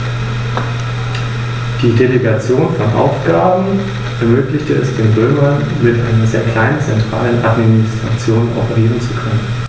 Steinadler sind erst ab dem 5. bis 7. Lebensjahr voll ausgefärbt.